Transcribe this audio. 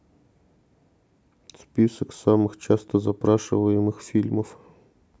список самых часто запрашиваемых фильмов